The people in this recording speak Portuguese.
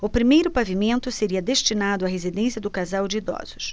o primeiro pavimento seria destinado à residência do casal de idosos